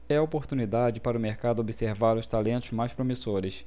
é a oportunidade para o mercado observar os talentos mais promissores